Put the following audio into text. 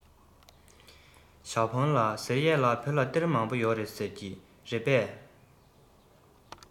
ཞའོ ཧྥུང ལགས ཟེར ཡས ལ བོད ལ གཏེར མང པོ ཡོད རེད ཟེར གྱིས རེད པས